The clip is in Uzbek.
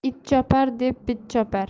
it chopar deb bit chopar